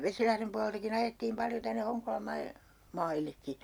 Vesilahden puoleltakin ajettiin paljon tänne Honkolan - maillekin